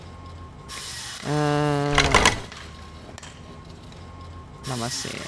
La meg se.